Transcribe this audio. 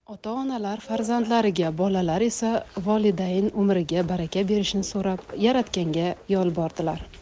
ota onalar farzandlariga bolalar esa volidayn umriga baraka berishni so'rab yaratganga yolbordilar